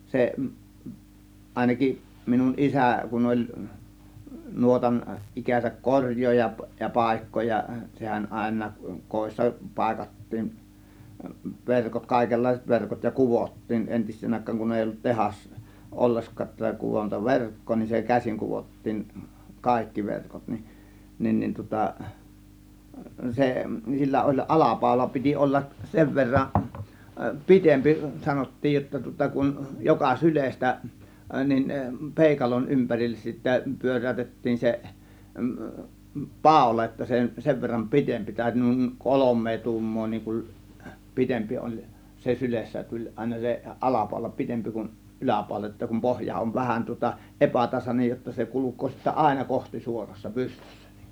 se ainakin minun isä kun oli nuotan ikänsä korjaaja ja paikkaaja sehän aina kodissa paikattiin verkot kaikenlaiset verkot ja kudottiin entiseen aikaan kun ei ollut - ollenkaan - kudontaverkkoa niin se käsin kudottiin kaikki verkot niin niin niin tuota se sillä oli alapaula piti olla sen verran pitempi sanottiin jotta tuota kun joka sylestä niin peukalon ympärille sitten pyöräytettiin se paula jotta se sen verran pitempi täytyi noin kolme tuumaa niin kun pitempi oli se sylessä tuli aina se alapaula pitempi kuin yläpaula jotta kun pohja on vähän tuota epätasainen jotta se kulkee sitten aina kohtisuorassa pystyssä niin kuin